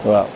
waaw